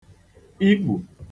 ikpù